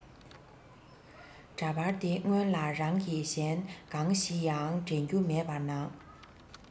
འདྲ པར དེ སྔོན ལ རང གི གཞན གང ཞིག ཡང དྲན རྒྱུ མེད པར ནང